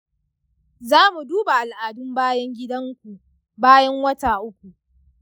zamu duba al'adun bayan gidan ku bayan wata uku.